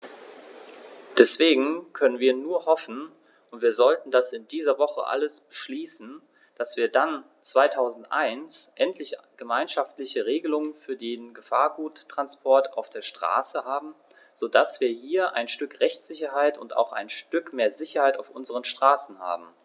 Deswegen können wir nur hoffen - und wir sollten das in dieser Woche alles beschließen -, dass wir dann 2001 endlich gemeinschaftliche Regelungen für den Gefahrguttransport auf der Straße haben, so dass wir hier ein Stück Rechtssicherheit und auch ein Stück mehr Sicherheit auf unseren Straßen haben.